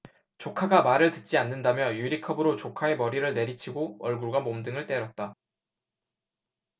조카가 말을 듣지 않는다며 유리컵으로 조카의 머리를 내리치고 얼굴과 몸 등을 때렸다